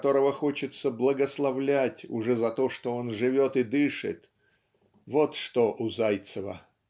которого хочется благословлять уже за то что он живет и дышит вот что у Зайцева.